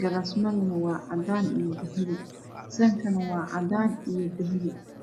kasyashana waa cadaan iyo dahapi saxankana waa cadaan iyo gaduud